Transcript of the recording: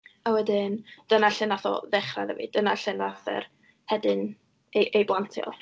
A wedyn dyna lle wnaeth o ddechrau iddo fi, dyna lle wnaeth yr hedyn ei ei blantio.